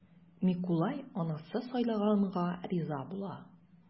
Микулай анасы сайлаганга риза була.